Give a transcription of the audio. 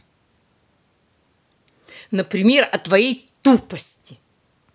например о твоей тупости